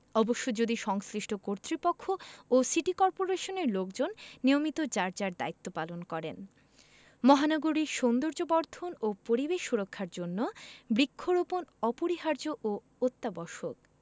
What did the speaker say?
অবশ্য যদি সংশ্লিষ্ট কর্তৃপক্ষ ও সিটি কর্পোরেশনের লোকজন নিয়মিত যার যার দায়িত্ব পালন করেন মহানগরীর সৌন্দর্যবর্ধন ও পরিবেশ সুরক্ষার জন্য বৃক্ষরোপণ অপরিহার্য ও অত্যাবশ্যক